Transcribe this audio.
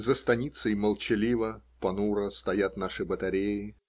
За станицей молчаливо, понуро стоят наши батареи.